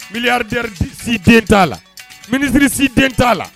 Milliardaires si si den t'a, la ministres si den t'a la